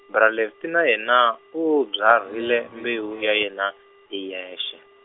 bra Lefty na yena, u byarhile mbewu ya yena, hi yexe.